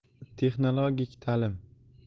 texnologik ta'lim